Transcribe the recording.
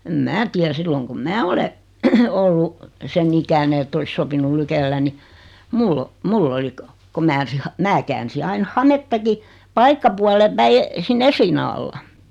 en minä tiedä silloin kun minä olen ollut sen ikäinen että olisi sopinut lykkäillä niin minulla on minulla oli kun kun minä minä käänsin aina hamettakin paikkapuolen päin sinne esiliinan alla